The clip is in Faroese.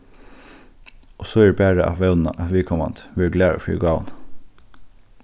og so er bara at vóna at viðkomandi verður glaður fyri gávuna